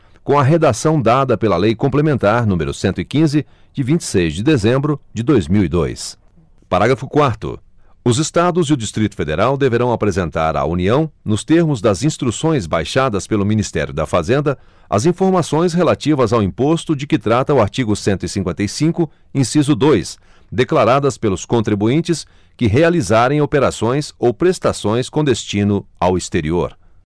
com a redação dada pela lei complementar número cento e quinze de vinte e seis de dezembro de dois mil e dois parágrafo quarto os estados e o distrito federal deverão apresentar à união nos termos das instruções baixadas pelo ministério da fazenda as informações relativas ao imposto de que trata o artigo cento e cinquenta e cinco inciso dois declaradas pelos contribuintes que realizarem operações ou prestações com destino ao exterior